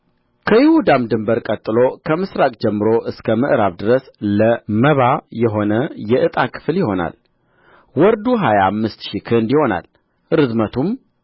ከይሁዳም ድንበር ቀጥሎ ከምሥራቅ ጀምሮ እስከ ምዕራብ ድረስ ለመባ የሆነ የዕጣ ክፍል ይሆናል ወርዱ ሀያ አምስት ሺህ ክንድ ይሆናል ርዝመቱም